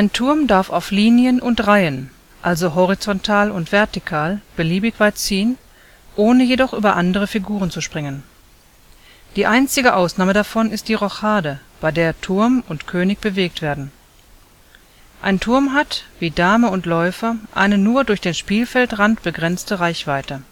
Turm darf auf Linien und Reihen, also horizontal und vertikal, beliebig weit ziehen, ohne jedoch über andere Figuren zu springen. Die einzige Ausnahme davon ist die Rochade, bei der Turm und König bewegt werden. Ein Turm hat, wie Dame und Läufer, eine nur durch den Spielfeldrand begrenzte Reichweite